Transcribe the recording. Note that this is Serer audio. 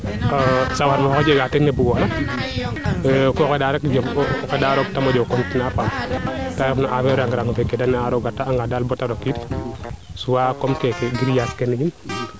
sawanoox a jega nga teen ne bugoonga ko xenda roog rek te moƴo continuer a paax te ref affaire rang rang ke de ne a rooga taxa nga daal bata rokiid soit comme keeke grillage keeke